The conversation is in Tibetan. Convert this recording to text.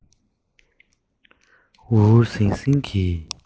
འུར འུར ཟིང ཟིང གིས